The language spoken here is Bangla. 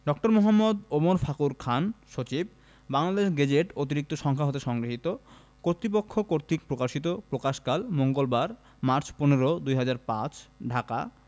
ড. মে. ওমর ফাখুর খান সচিব বাংলাদেশ গেজেট অতিরিক্ত সংখ্যা হতে সংগৃহীত কতৃপক্ষ কর্তৃক প্রকাশিত প্রকাশকালঃ মঙ্গলবার মার্চ ১৫ ২০০৫ ঢাকা